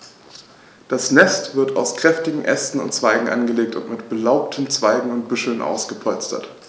Das Nest wird aus kräftigen Ästen und Zweigen angelegt und mit belaubten Zweigen und Büscheln ausgepolstert.